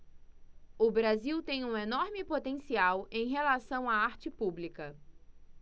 o brasil tem um enorme potencial em relação à arte pública